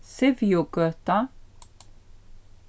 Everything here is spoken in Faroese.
sivjugøta